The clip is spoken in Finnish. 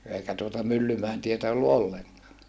eikä tuota Myllymäen tietä ollut ollenkaan